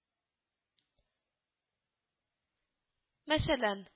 Мәсәлән